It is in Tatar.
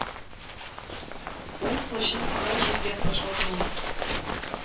Зур кылычын кара җиргә ташлады ул;